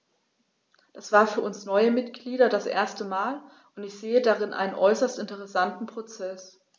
Das war für uns neue Mitglieder das erste Mal, und ich sehe darin einen äußerst interessanten Prozess.